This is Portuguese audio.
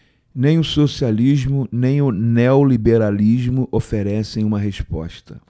nem o socialismo nem o neoliberalismo oferecem uma resposta